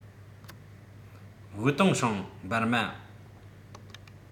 ཝུའུ ཏེང ཧྲེང འབར མ